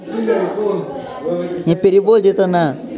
не переводит она